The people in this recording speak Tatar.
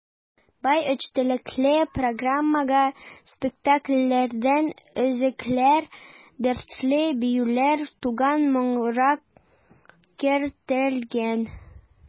Бай эчтәлекле программага спектакльләрдән өзекләр, дәртле биюләр, туган моңнар кертелгән.